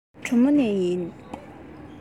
ང གྲོ མོ ནས ཡིན